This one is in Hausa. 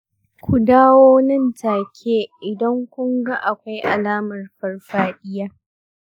ku dawo nan take idan kun ga akwai alamar farfaɗiya .